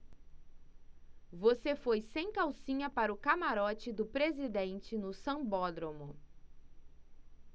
você foi sem calcinha para o camarote do presidente no sambódromo